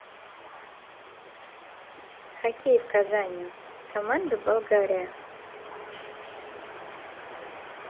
хоккей в казани команда болгария